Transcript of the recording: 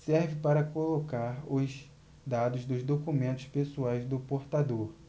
serve para colocar os dados dos documentos pessoais do portador